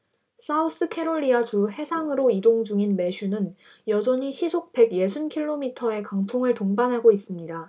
사우스캐롤리아 주 해상으로 이동 중인 매슈는 여전히 시속 백 예순 킬로미터의 강풍을 동반하고 있습니다